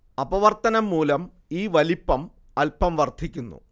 അപവർത്തനം മൂലം ഈ വലിപ്പം അൽപം വർദ്ധിക്കുന്നു